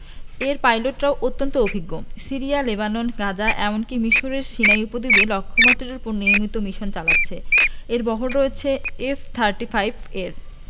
এর পাইলটেরাও অত্যন্ত অভিজ্ঞ সিরিয়া লেবানন গাজা এমনকি মিসরের সিনাই উপদ্বীপে লক্ষ্যমাত্রার ওপর নিয়মিত মিশন চালাচ্ছে এর বহরে রয়েছে এফ থার্টি ফাইভ এর